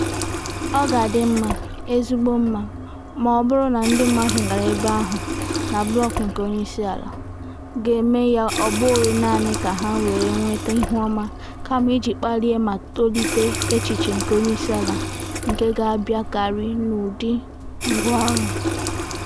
Ọ ga-adị mma, ezigbo mma maọbụrụ na ndị mmadụ gara ebe ahụ (na blọọgụ nke onyeisiala) ga-eme ya ọ bụghị naanị ka ha were nweta ịhụoma, kama iji kpalie ma tolite echiche nke onyeisiala nke ga-abịakarị n'ụdị. "ngwáọrụ"